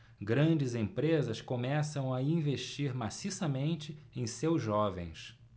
grandes empresas começam a investir maciçamente em seus jovens